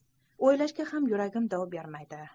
o'ylashga ham yuragim dov bermaydi